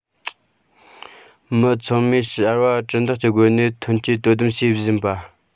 མི ཚང མས ཕྱར བ གྲུ འདེགས ཀྱི སྒོ ནས ཐོན སྐྱེད དོ དམ བྱེད བཞིན པ